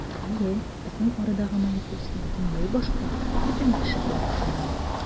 Әйе, безнең арадагы Маяковский бөтенләй башка, бүтән кеше булып тоела.